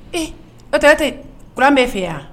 Ee o tɛ ten kuran bɛ fɛ yan